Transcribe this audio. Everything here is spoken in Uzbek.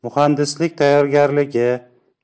muhandislik tayyorgarligi